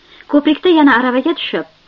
ko'prikda yana aravaga tushib